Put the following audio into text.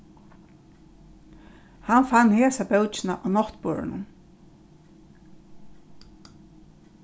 hann fann hesa bókina á náttborðinum